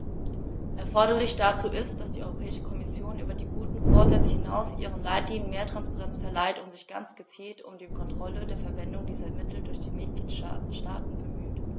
Erforderlich dazu ist, dass die Europäische Kommission über die guten Vorsätze hinaus ihren Leitlinien mehr Transparenz verleiht und sich ganz gezielt um die Kontrolle der Verwendung dieser Mittel durch die Mitgliedstaaten bemüht.